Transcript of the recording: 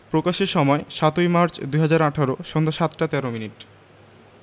প্রকাশের সময় ০৭ ই মার্চ ২০১৮ সন্ধ্যা ৭টা ১৩ মিনিট